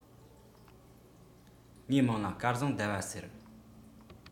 ངའི མིང ལ སྐལ བཟང ཟླ བ ཟེར